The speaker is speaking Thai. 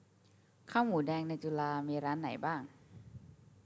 ข้าวหมูแดงในจุฬามีร้านไหนบ้าง